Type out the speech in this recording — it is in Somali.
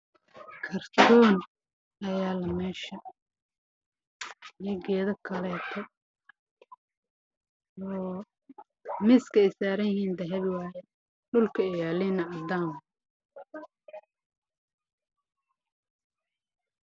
Meeshaan waxaa yaalo kartoon iyo geedo kale